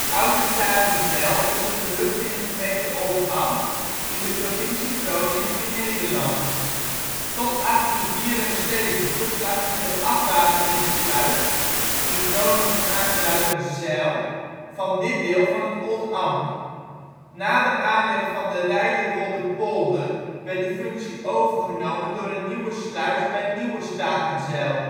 Oude Statenzijl is een gehucht in de gemeente Oldambt, provincie Groningen (Nederland). Tot 1874 lag hier de afwateringssluis (in Groningen aangeduid als zijl) van dit deel van het Oldambt. Na de aanleg van de Reiderwolderpolder werd die functie overgenomen door een nieuwe sluis bij Nieuwe Statenzijl